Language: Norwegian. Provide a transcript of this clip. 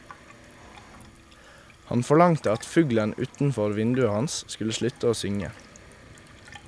Han forlangte at fuglen utenfor vinduet hans skulle slutte å synge.